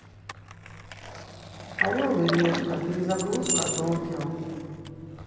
орел и решка перезагрузка токио